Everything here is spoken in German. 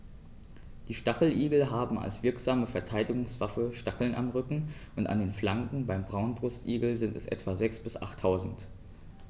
Die Stacheligel haben als wirksame Verteidigungswaffe Stacheln am Rücken und an den Flanken (beim Braunbrustigel sind es etwa sechs- bis achttausend).